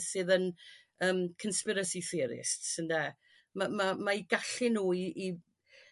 sydd yn yrm conspiricy theorists ynde? Ma' ma' ma' 'u gallu nhw i i